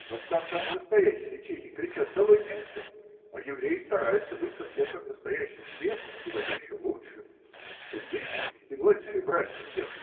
Но так как настоящие чехи кричат: долой немцев, а еврей старается быть совсем как настоящий чех и даже еще лучше, то дети или младшие братья тех.